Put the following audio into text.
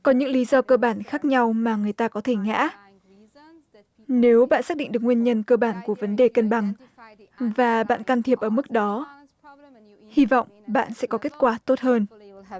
có những lý do cơ bản khác nhau mà người ta có thể ngã nếu bạn xác định được nguyên nhân cơ bản của vấn đề cân bằng và bạn can thiệp ở mức đó hy vọng bạn sẽ có kết quả tốt hơn